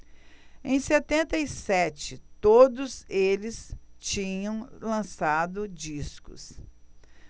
em setenta e sete todos eles tinham lançado discos